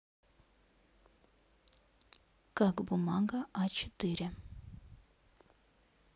как бумага а четыре